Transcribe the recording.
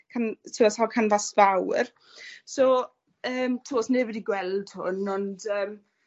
can- t'wo' sawl canfas fawr. So yym t'wo' sneb wedi gweld hwn ond yym